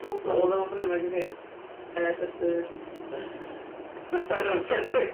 Pob math o bobol yn prynu magazines. Haidressers.